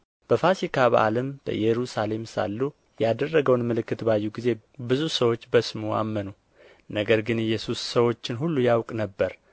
በፋሲካ በዓልም በኢየሩሳሌም ሳለ ያደረገውን ምልክት ባዩ ጊዜ ብዙ ሰዎች በስሙ አመኑ ነገር ግን ኢየሱስ ሰዎችን ሁሉ ያውቅ ነበር